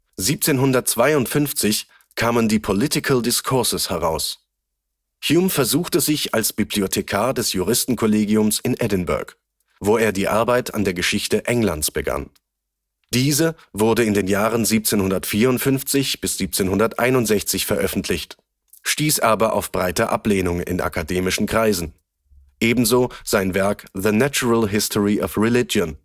1752 kamen die Political discourses heraus. Hume versuchte sich als Bibliothekar des Juristenkollegiums in Edinburgh, wo er die Arbeit an der Geschichte Englands begann. Diese wurde in den Jahren 1754 bis 1761 veröffentlicht, stieß aber auf breite Ablehnung in akademischen Kreisen, ebenso sein Werk The natural history of religion